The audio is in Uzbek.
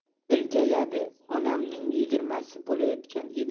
iljayadi onamning yigirmasi bo'layotgan edi